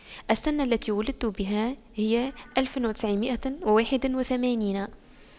السنة التي ولدت بها هي ألف وتسعمئة وواحد وثمانين